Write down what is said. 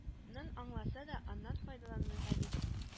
Нын аңласа да, аннан файдаланмый габидә